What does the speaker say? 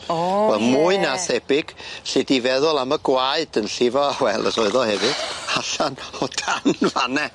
O ie. Wel mwy na thebyg 'lly di feddwl am y gwaed yn llifo, wel os oedd o hefyd allan o dan fanne.